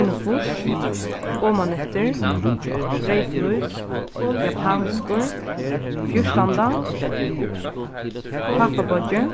einogfýrs omaneftir breyðflís japanskur fjúrtanda pápabeiggi